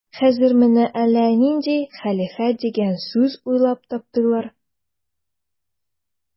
Хәзер менә әллә нинди хәлифәт дигән сүз уйлап таптылар.